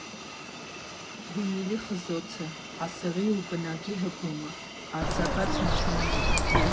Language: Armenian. Վինիլի խզոցը, ասեղի ու պնակի հպումը, արձակած հնչյունները…